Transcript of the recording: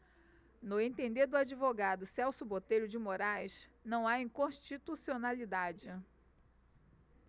no entender do advogado celso botelho de moraes não há inconstitucionalidade